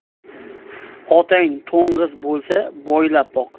otang to'ng'iz bo'lsa boylab boq